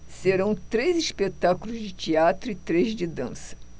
serão três espetáculos de teatro e três de dança